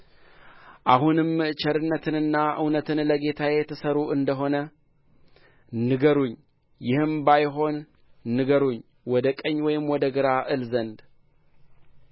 አሁንም ቸርነትና እውነት ለጌታዬ ትሠሩ እንደ ሆነ ንገሩኝ ይህም ባይሆን ንገሩኝ ወደ ቀኝ ወይም ወደ ግራ እል ዘንድ